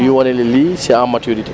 yuy wane ne lii c' est en maturité